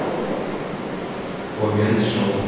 комент шоу